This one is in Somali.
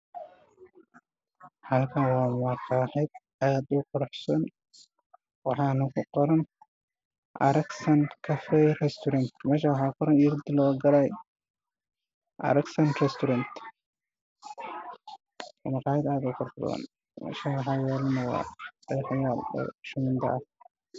Waa guri midabkiisa yahay casaan